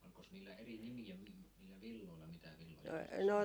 olikos niillä eri nimiä niillä villoilla mitä villoja